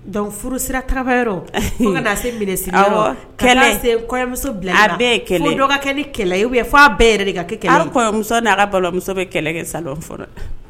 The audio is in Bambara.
Dɔnku furu sira fɔ bɛɛ ka kɛ kɛ kɔɲɔmuso' ka balimamuso bɛ kɛlɛ kɛ sa fɔlɔ